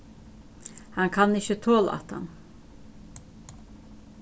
hann kann ikki tola hatta